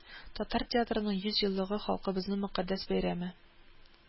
Татар театрының йөз еллыгы халкыбызның мөкатдәс бәйрәме